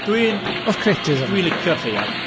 Dwi'n... ... Dwi'n licio'r Lleuad.